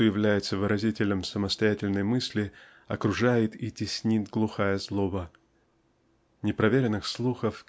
кто является выразителем самостоятельной мысли окружает и теснит глухая злоба. Непроверенных слухов